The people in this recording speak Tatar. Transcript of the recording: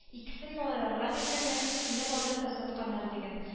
Икесен малайларга биргәннәр, сине базарда сатканнар, диген